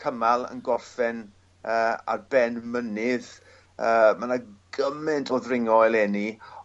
cymal yn gorffen yy ar ben mynydd yy ma' 'na gyment o ddringo eleni